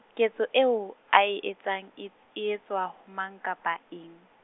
ketso eo a etsang, e etswa ho mang kapa eng?